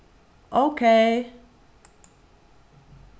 ókey